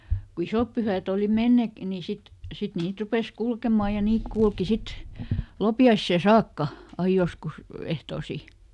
no sitten kun isot pyhät oli menneet niin sitten sitten niitä rupesi kulkemaan ja niitä kulki sitten loppiaiseen saakka aina joskus ehtoisin